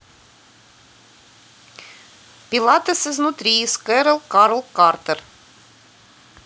пилатес изнутри с кэрол карл картер